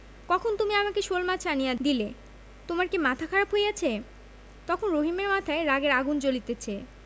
কখন তুমি আমাকে শোলমাছ আনিয়া দিলে তোমার কি মাথা খারাপ হইয়াছে তখন রহিমের মাথায় রাগের আগুন জ্বলিতেছে